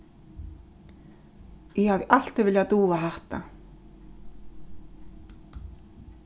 eg havi altíð viljað dugað hatta